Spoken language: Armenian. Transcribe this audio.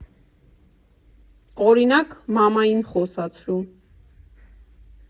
Օրինակ՝ մամային խոսացրու։